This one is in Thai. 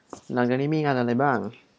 หลังจากนี้มีงานอะไรบ้าง